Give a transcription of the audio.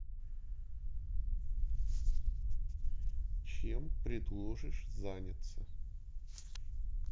чем предложишь заняться